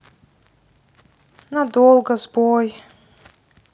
надолго сбой